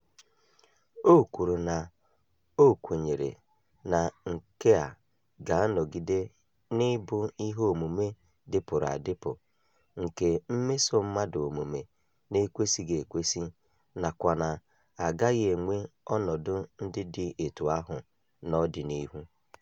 O kwuru na o "kwenyere na nke a ga-anọgide n'ịbụ ihe omume dịpụrụ adịpụ nke mmeso mmadụ omume na-ekwesịghị ekwesị nakwa na a gaghị enwe ọnọdụ ndị dị etu ahụ n'ọdịnihu".